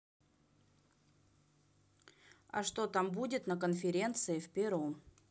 а что там будет на конференции в перу